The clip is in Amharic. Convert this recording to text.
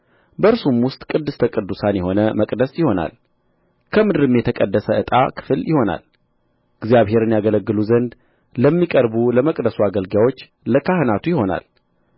በእርሱም ውስጥ ቅድስተ ቅዱሳን የሆነ መቅደስ ይሆናል ከምድርም የተቀደሰ የዕጣ ክፍል ይሆናል እግዚአብሔርን ያገለግሉ ዘንድ ለሚቀርቡ ለመቅደሱ አገልጋዮች ለካህናቱ ይሆናል